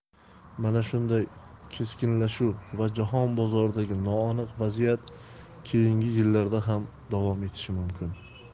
mana shunday keskinlashuv va jahon bozoridagi noaniq vaziyat keyingi yillarda ham davom etishi mumkin